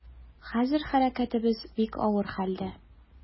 Хәзер хәрәкәтебез бик авыр хәлдә.